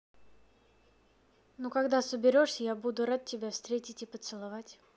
ну когда соберешься я буду рад тебя встретить и поцеловать